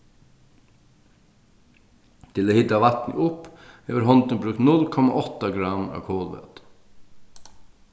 til at hita vatnið upp hevur hondin brúkt null komma átta gramm av kolvætu